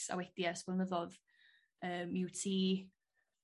A wedi ers blynyddodd, yy mi wyt ti